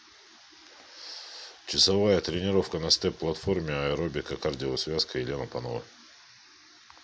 часовая тренировка на степ платформе аэробика кардио связка елена панова